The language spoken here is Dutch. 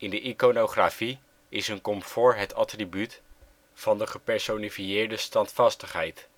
de iconografie is een komfoor het attribuut van de gepersonifieerde Standvastigheid